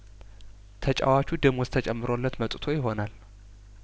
ተጫዋቹ ደሞዝ ተጨምሮለት መጥቶ ይሆናል